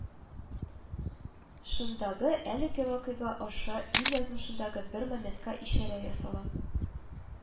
Шындагы әлеге вакыйга аша ил язмышындагы бер моментка ишарә ясала